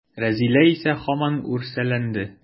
Рәзилә исә һаман үрсәләнде.